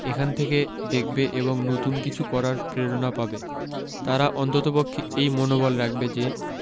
এখান থেকে দেখবে এবং নতুন কিছু করার প্রেরণা পাবে তারা অন্ততপক্ষে এই মনোবল রাখবে যে